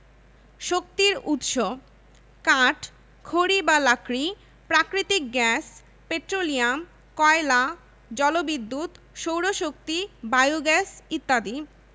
এবং ডাক বিভাগের জীবন বীমা প্রকল্প দেশের অর্থসংস্থান কাঠামোর অধিকাংশই বাণিজ্যিক ব্যাংক কেন্দ্রিক